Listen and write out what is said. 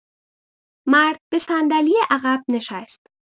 مرد به صندلی عقب نشست.